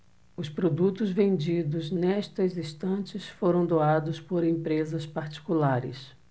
os produtos vendidos nestas estantes foram doados por empresas particulares